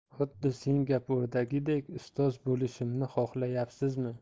xuddi singapurdagidek ustoz bo'lishimni xohlayapsizmi